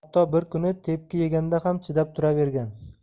hatto bir kuni tepki yeganda ham chidab turavergan